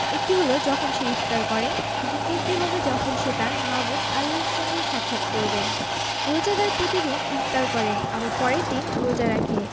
একটি হলো যখন সে ইফতার করে দ্বিতীয়টি হবে যখন সে তাঁর মাবুদ আল্লাহর সঙ্গে সাক্ষাৎ করবে রোজাদার প্রতিদিন ইফতার করে আবার পরের দিন রোজা রাখে